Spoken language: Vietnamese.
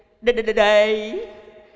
đề đề đề để